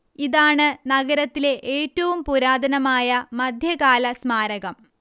ഇതാണ് നഗരത്തിലെ ഏറ്റവും പുരാതനമായ മധ്യകാല സ്മാരകം